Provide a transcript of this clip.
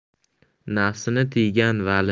nafsini tiygan vali